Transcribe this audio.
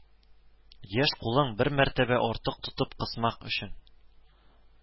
Яшь кулың бер мәртәбә артык тотып кысмак өчен